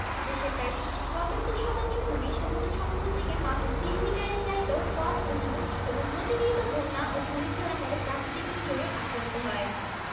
সর্বোচ্চ আপেক্ষিক আর্দ্রতা আগস্ট সেপ্টেম্বর মাসে ৮০ থেকে ১০০ শতাংশ এবং সর্বনিম্ন আর্দ্রতা ফেব্রুয়ারি ও মার্চ মাসে ৩৬ শতাংশ প্রত্নস্থানঃ পাহাড়পুর